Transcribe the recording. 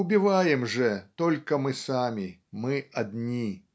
убиваем же только мы сами, мы одни.